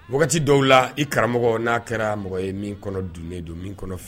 Wagati dɔw la, i karamɔgɔ n'a kɛra mɔgɔ ye min kɔnɔ dunnen don, min kɔnɔ fɛ